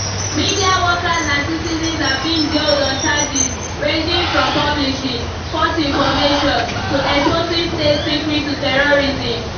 Media workers and citizens have been jailed on charges ranging from publishing “false information” to exposing state secrets to terrorism.